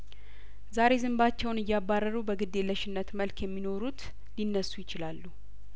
ዛሬ ዝንባቸውን እያባረሩ በግድ የለሽነት መልክ የሚኖሩት ሊነሱ ይችላሉ